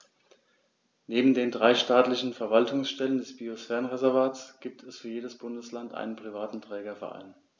Neben den drei staatlichen Verwaltungsstellen des Biosphärenreservates gibt es für jedes Bundesland einen privaten Trägerverein.